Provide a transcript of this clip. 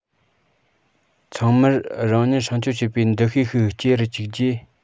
ཚང མར རང ཉིད སྲུང སྐྱོབ བྱེད པའི འདུ ཤེས ཤིག སྐྱེ རུ བཅུག རྗེས